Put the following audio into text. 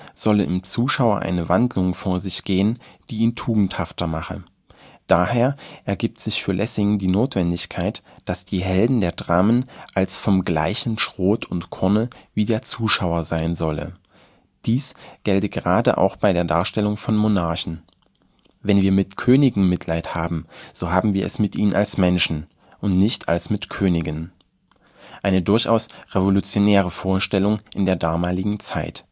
solle im Zuschauer eine Wandlung vor sich gehen, die ihn tugendhafter mache. Daher ergibt sich für ihn die Notwendigkeit, dass die Helden der Dramen als „ vom gleichen Schrot und Korne “wie der Zuschauer sein solle. Dies gelte grade auch bei der Darstellung von Monarchen: „ Wenn wir mit Königen Mitleide haben, so haben wir es mit ihnen als Menschen, und nicht als mit Königen “- eine durchaus revolutionäre Vorstellung in der damaligen Zeit